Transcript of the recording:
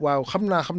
waaw xam naa xam